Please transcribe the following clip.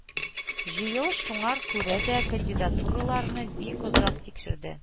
Җыелыш шуңар күрә дә кандидатураларны бик озак тикшерде